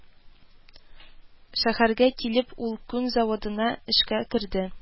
Шәһәргә килеп, ул күн заводына эшкә керде